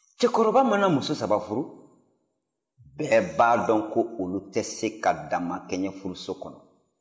cɛkɔrɔba mana muso saba furu bɛɛ b'a dɔn ko olu tɛ se ka damakɛnyɛ furuso kɔnɔ